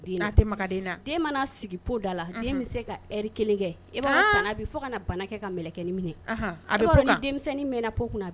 A tɛ ma ka den na, den ma n'a sigi pot da la, den bɛ se ka heure kelen kɛ, i b'a dɔn tante Abi fo kana bana kɛ ka mɛlɛkɛnin minɛ, a bi pot e b'a dɔn ni denmisɛnnin mɛna pot kun na